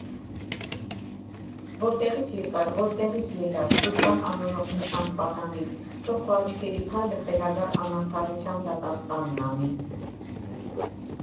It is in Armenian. Որտեղի՞ց եկար, որտեղի՞ց ելար, դու Շանթ անունով մի շանթ պատանի, թող քո աչքերի փայլը խելագար անարդարության դատաստանն անի…